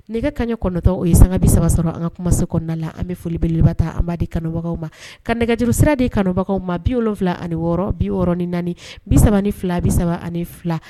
Nɛgɛ kaɲɛ kɔnɔntɔn o ye sanga bi saba sɔrɔ an ka kumaso kɔnɔna na la an bɛ foli belebeleba ta an 'ba di kanubagaw ma ka nɛgɛjurusira di kanubagaw ma 76 64 32 32